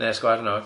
Neu sgwarno oce.